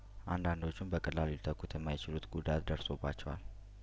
አንዳንዶችም በቀላሉ ሊተ ኩት የማይችሉት ጉዳት ደርሶባቸዋል